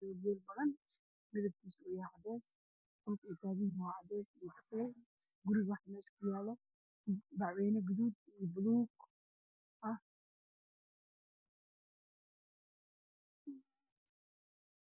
Waa meel banaan oo wado waxaa maraayo geer fara badan oo midabkiisa yahay jaalo